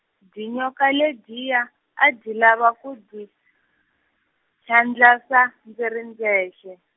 dyinyoka ledyiya a ndzi lava ku dyi, phyandlasa, ndzi ri ndzexe.